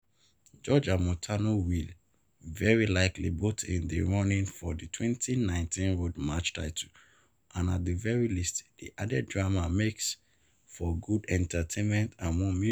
George and Montano will, very likely, both in the running for the 2019 Road March title and at the very least, the added drama makes for good entertainment and more music.